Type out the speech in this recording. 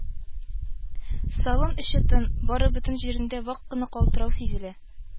Салон эче тын, бары бөтен җирендә вак кына калтырау сизелә